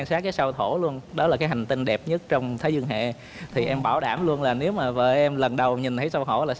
sát cái sao thổ luôn đó là cái hành tinh đẹp nhất trong thế dương hệ thì em bảo đảm luôn là nếu mà vợ em lần đầu nhìn thấy sao thổ là sẽ